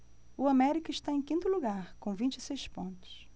o américa está em quinto lugar com vinte e seis pontos